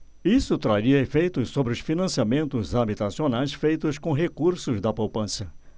isso traria efeitos sobre os financiamentos habitacionais feitos com recursos da poupança